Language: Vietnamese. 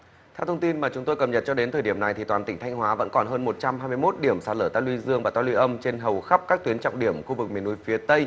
theo thông tin mà chúng tôi cập nhật cho đến thời điểm này thì toàn tỉnh thanh hóa vẫn còn hơn một trăm hai mươi mốt điểm sạt lở ta luy dương ta luy âm trên hầu khắp các tuyến trọng điểm khu vực miền núi phía tây